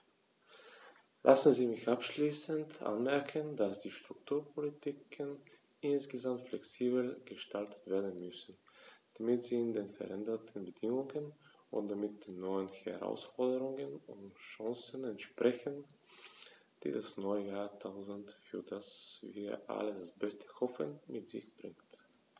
Lassen Sie mich abschließend anmerken, dass die Strukturpolitiken insgesamt flexibler gestaltet werden müssen, damit sie den veränderten Bedingungen und damit den neuen Herausforderungen und Chancen entsprechen, die das neue Jahrtausend, für das wir alle das Beste hoffen, mit sich bringt.